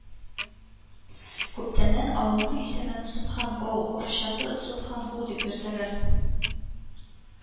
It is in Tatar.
Күптәннән авылның исемен Собхангол урысчасы Субхангул дип йөртәләр